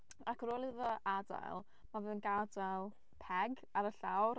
Ac ar ôl iddo adael mae fe'n gadael peg ar y llawr.